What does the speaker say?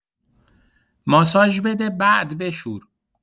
ماساژ بده بعد بشور